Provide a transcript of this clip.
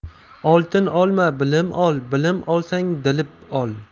oltin olma bilim ol bilim olsang bilib ol